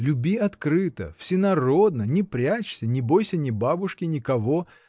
Люби открыто, всенародно, не прячься: не бойся ни бабушки, никого!